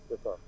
c' est ça